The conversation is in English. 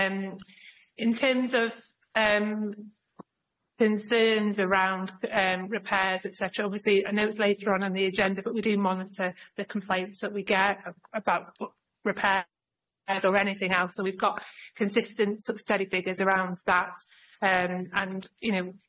Um in terms of um concerns around um repairs et cetera obviously a note's later on on the agenda but we do monitor the complaints that we get a- about w- repairs or anything else so we've got consistent study figures around that um and you know.